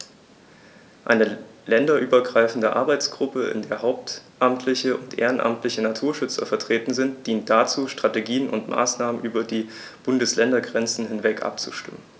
Eine länderübergreifende Arbeitsgruppe, in der hauptamtliche und ehrenamtliche Naturschützer vertreten sind, dient dazu, Strategien und Maßnahmen über die Bundesländergrenzen hinweg abzustimmen.